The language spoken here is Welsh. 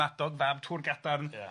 Madog fab Tŵr Gadarn... Ia...